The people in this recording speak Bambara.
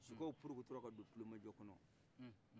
sokew porokotora k' a don kulomajɔ kɔnɔ